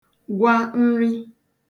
gwa nrī